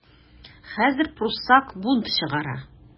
Хәзер пруссак бунт чыгара.